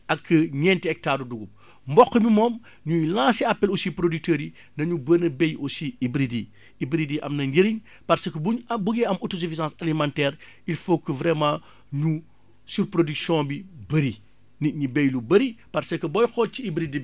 ak ñenti hectares dugub mboq mi moom ñuy lancer appel aussi producteurs yi nañu gën a bay aussi hybride yi hybride yi am na njariñ parce que buñ a bu ñu buggee am autosuffisance alimentaire il faut que vraiment ñu surproduction bi bari nit ñi bay lu bari parce que booy xool ci hybride bi